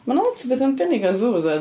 Ma 'na lot o betha yn denig o sŵs oes?